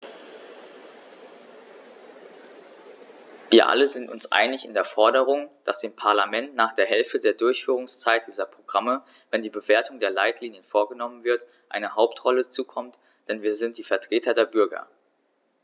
Wir alle sind uns einig in der Forderung, dass dem Parlament nach der Hälfte der Durchführungszeit dieser Programme, wenn die Bewertung der Leitlinien vorgenommen wird, eine Hauptrolle zukommt, denn wir sind die Vertreter der Bürger.